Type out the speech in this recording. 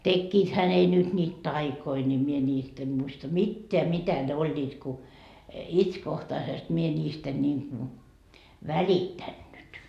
tekiväthän ne nyt niitä taikoja niin minä niistä en muista mitään mitä ne olivat kun itsekohtaisesti minä niistä en niin kuin välittänyt